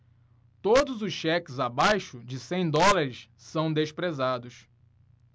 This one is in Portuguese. todos os cheques abaixo de cem dólares são desprezados